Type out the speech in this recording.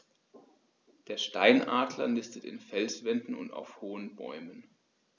Der Steinadler nistet in Felswänden und auf hohen Bäumen.